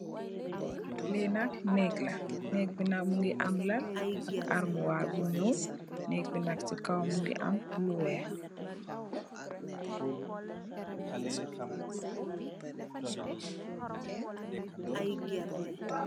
Li nak nèk la, nek bi nak mugii am lal ak almuwar bu ñuul. Nèk bi nak si kaw mugii am lu wèèx.